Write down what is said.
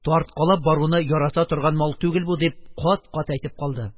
Тарткалап баруны ярата торган мал түгел бу! - дип, кат-кат әйтеп калды.